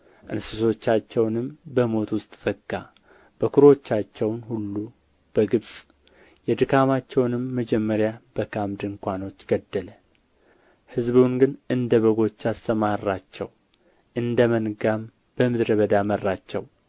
እንስሶቻቸውንም በሞት ውስጥ ዘጋ በኵሮቻቸውን ሁሉ በግብጽ የድካማቸውንም መጀመሪያ በካም ድንኳኖች ገደለ ሕዝቡን ግን እንደ በጎች አሰማራቸው እንደ መንጋም በምድረ በዳ መራቸው